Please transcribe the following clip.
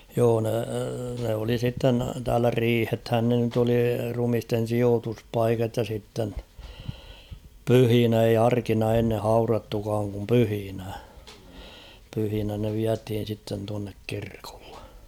joo ne, ne oli sitten täälä 'riihethän ne nyt ‿oli rumisten̬ 'siootuspaikat ja sitten, "pyhin ‿eiʲ ‿'arkina enne 'haurattukaaŋ kum "pyhinä, pyhinä ne 'viäthin̬ sitten tuannek 'kirkᴏʟʟᴇ.